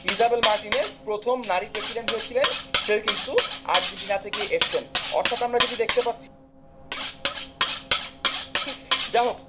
Isabel Martinez প্রথম নারী president হয়ে ছিলেন সেও কিন্তু আর্জেন্টিনা থেকে এসছেন অর্থাৎ আমরা যে টি দেখতে পাচ্ছি যাই হোক